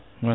*